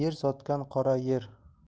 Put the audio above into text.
yer sotgan qora yer